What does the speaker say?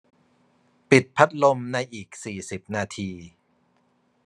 ปิดพัดลมในอีกสี่สิบนาที